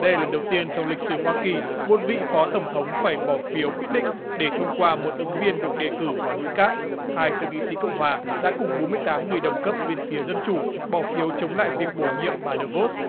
đây là lần đầu tiên trong lịch sử hoa kỳ một vị phó tổng thống phải bỏ phiếu quyết định để thông qua một ứng viên được đề cử vào nội các hai thượng nghị sĩ cộng hòa đã cùng bốn mươi tám người đồng cấp bên phía dân chủ bỏ phiếu chống lại việc bổ nhiệm bà đu vốt